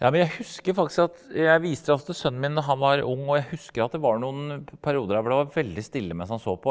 ja men jeg husker faktisk at jeg viste det også til sønnen min når han var ung og jeg husker at det var noen perioder der hvor det var veldig stille mens han så på.